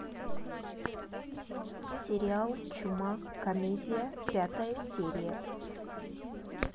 сериал чума комедия пятая серия